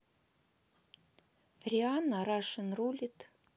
рианна рашн рулит